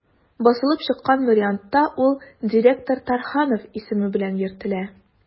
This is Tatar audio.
Басылып чыккан вариантта ул «директор Тарханов» исеме белән йөртелә.